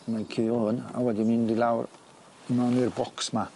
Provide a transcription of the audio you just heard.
mae'n 'wn a wedyn i lawr i mewn i'r bocs 'ma.